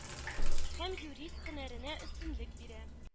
Һәм юрист һөнәренә өстенлек бирә.